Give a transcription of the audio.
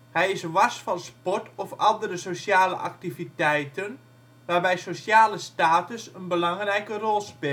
Hij is wars van sport of andere sociale activiteiten waarbij sociale status een belangrijke rol speelt